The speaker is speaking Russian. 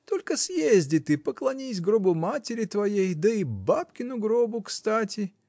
только съезди ты, поклонись гробу матери твоей, да и бабкину гробу кстати.